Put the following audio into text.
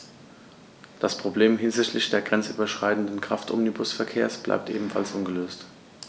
Das Problem hinsichtlich des grenzüberschreitenden Kraftomnibusverkehrs bleibt ebenfalls ungelöst.